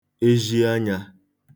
ezhi anyā